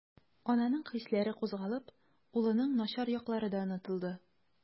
Ананың хисләре кузгалып, улының начар яклары да онытылды.